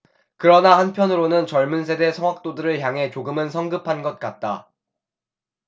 그러나 한편으로는 젊은 세대 성악도들을 향해 조금은 성급한 것 같다